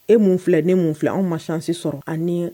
E mun filɛ ne mun filɛ anw man sansi sɔrɔ ani